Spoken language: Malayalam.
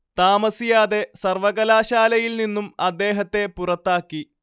താമസിയാതെ സർവ്വകലാശാലയിൽ നിന്നും അദ്ദേഹത്തെ പുറത്താക്കി